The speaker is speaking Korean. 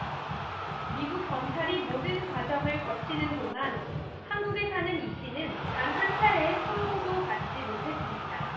미국 검찰이 모든 과정을 거치는 동안 한국에 사는 이 씨는 단 한차례의 통보도 받지 못했습니다